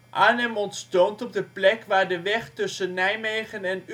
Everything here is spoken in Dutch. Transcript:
Arnhem ontstond op de plek waar de weg tussen Nijmegen en